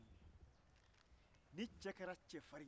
ka a sɔrɔ ni i ye i sigi a dafɛ